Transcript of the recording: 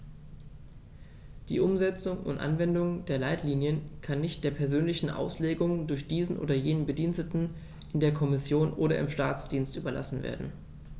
Die Umsetzung und Anwendung der Leitlinien kann nicht der persönlichen Auslegung durch diesen oder jenen Bediensteten in der Kommission oder im Staatsdienst überlassen werden.